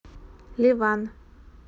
леван